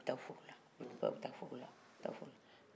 u bɛ taa foro la u bɛɛ u bɛ taa foro la taa foro la